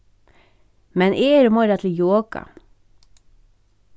men eg eri meira til joga